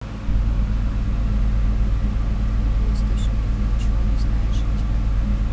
какие источники ты ничего не знаешь этих